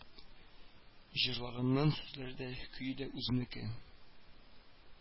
Җырларымның сүзләре дә, көе дә үземнеке